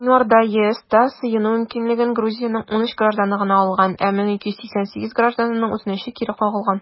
Гыйнварда ЕСта сыену мөмкинлеген Грузиянең 13 гражданы гына алган, ә 1288 гражданның үтенече кире кагылган.